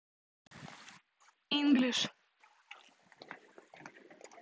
english